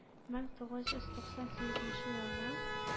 Мең тугыз йөз туксан сигезенче елнын,